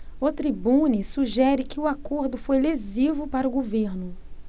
o tribune sugere que o acordo foi lesivo para o governo